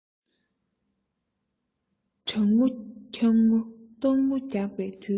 གྲང ངུ འཁྱག ངུ ལྟོགས ངུ རྒྱག པའི དུས